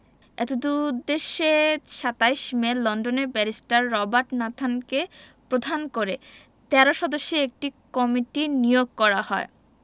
এতদুদ্দেশ্যে ২৭ মে লন্ডনের barrister Robert নাথানকে প্রধান করে ১৩ সদস্যের একটি কমিটি নিয়োগ করা হয়